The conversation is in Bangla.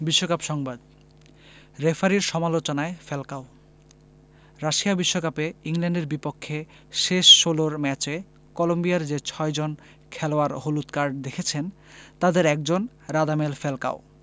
বিশ্বকাপ সংবাদ রেফারির সমালোচনায় ফ্যালকাও রাশিয়া বিশ্বকাপে ইংল্যান্ডের বিপক্ষে শেষ ষোলোর ম্যাচে কলম্বিয়ার যে ছয়জন খেলোয়াড় হলুদ কার্ড দেখেছেন তাদের একজন রাদামেল ফ্যালকাও